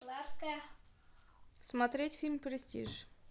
смотреть фильм престиж